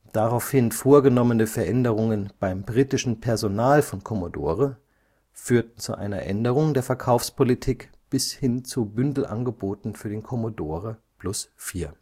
Daraufhin vorgenommene Veränderungen beim britischen Personal von Commodore führten zu einer Änderung der Verkaufspolitik hin zu Bündelangeboten für den Commodore Plus/4